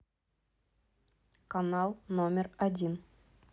канал номер один